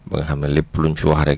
ba nga xam ne lépp luñ fi wax rek